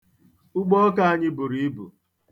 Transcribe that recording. Ugbo ọka anyị buru ibu.